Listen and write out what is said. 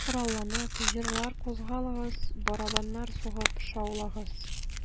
Коралланып, җырлар, кузгалыгыз, Барабаннар сугып шаулагыз...